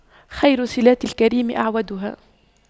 خير صِلاتِ الكريم أَعْوَدُها